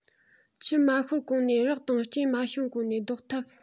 ཆུ མ ཤོར གོང ནས རགས དང རྐྱེན མ བྱུང གོང ནས བཟློག ཐབས